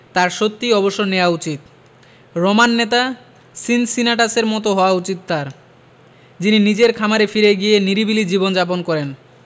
তাঁর সত্যিই অবসর নেওয়া উচিত রোমান নেতা সিনসিনাটাসের মতো হওয়া উচিত তাঁর যিনি নিজের খামারে ফিরে গিয়ে নিরিবিলি জীবন যাপন করেন